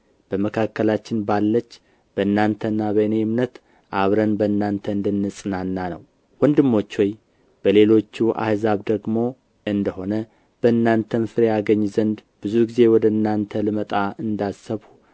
በመካከላችን ባለች በእናንተና በእኔ እምነት አብረን በእናንተ እንድንጽናና ነው ወንድሞች ሆይ በሌሎቹ አሕዛብ ደግሞ እንደ ሆነ በእናንተም ፍሬ አገኝ ዘንድ ብዙ ጊዜ ወደ እናንተ ልመጣ እንዳሰብሁ